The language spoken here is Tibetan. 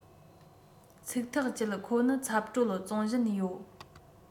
ཚིག ཐག བཅད ཁོ ནི ཚབ སྤྲོད བཙོང བཞིན ཡོད